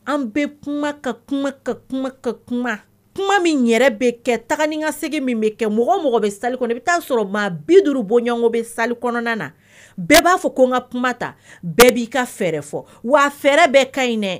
An bɛ kuma ka kuma ka kuma ka kuma kuma min yɛrɛ bɛ kɛ tagaani kase min bɛ kɛ mɔgɔ mɔgɔ bɛ sali kɔnɔ bɛ taaa sɔrɔ maa bi duuru bɔ ɲɔngo bɛ sa kɔnɔna na bɛɛ b'a fɔ ko n ka kuma ta bɛɛ'i ka fɛɛrɛ fɔ wa fɛrɛɛrɛ bɛ ka ɲiinɛ